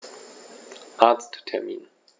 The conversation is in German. Arzttermin